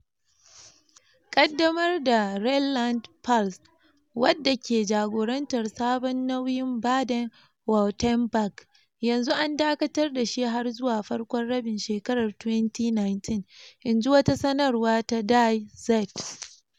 Kadamar da Rheinland-Pfalz, wadda ke jagorantar sabon nauyin Baden-Wuerttemberg, yanzu an dakatar da shi har zuwa farkon rabin shekarar 2019, in ji wata sanarwa ta Die Zeit.